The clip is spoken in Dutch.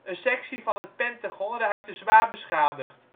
sectie van het Pentagon raakte zwaar beschadigd